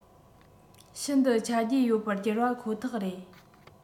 ཤིན ཏུ ཆ རྒྱུས ཡོད པར གྱུར པ ཁོ ཐག རེད